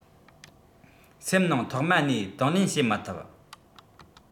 སེམས ནང ཐོག མ ནས དང ལེན བྱེད མི ཐུབ